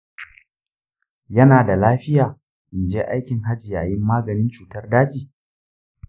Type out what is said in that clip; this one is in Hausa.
yana da lafiya in je aikin hajji yayin maganin cutar daji?